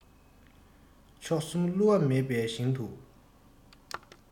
མཆོག གསུམ བསླུ བ མེད པའི ཞིང དུ